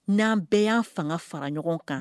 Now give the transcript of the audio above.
N'an bɛɛ y' an fanga fara ɲɔgɔn kan